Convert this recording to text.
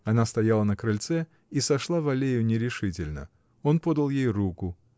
Она стояла на крыльце и сошла в аллею нерешительно. Он подал ей руку.